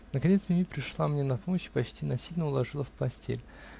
Наконец Мими пришла мне на помощь и почти насильно уложила в постель.